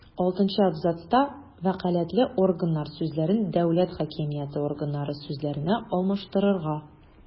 Алтынчы абзацта «вәкаләтле органнар» сүзләрен «дәүләт хакимияте органнары» сүзләренә алмаштырырга;